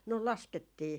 no laskettiin